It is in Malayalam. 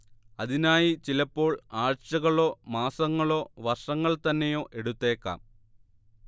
അതിനായി ചിലപ്പോൾ ആഴ്ചകളോ മാസങ്ങളോ വർഷങ്ങൾ തന്നെയോ എടുത്തേക്കാം